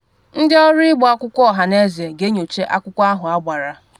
Ndị Ọrụ Ịgba Akwụkwọ Ọhaneze ga-enyocha akwụkwọ ahụ agbara.